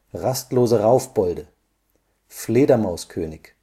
Rastlose Raufbolde Fledermaus-König